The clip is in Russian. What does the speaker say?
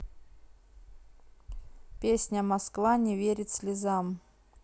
песня москва не верит слезам